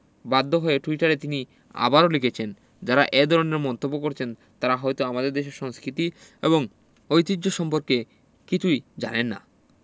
বাধ্য হয়ে টুইটারে তিনি আবারও লিখেছেন যাঁরা এ ধরনের মন্তব্য করছেন তাঁরা হয়তো আমাদের দেশের সংস্কৃতি এবং ঐতিহ্য সম্পর্কে কিছুই জানেন না